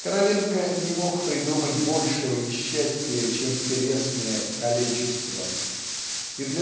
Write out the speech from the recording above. Короленко не мог придумать большего несчастия чем телесное калечество и